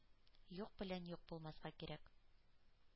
”юк белән юк булмаска кирәк.